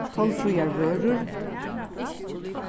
tollfríar vørur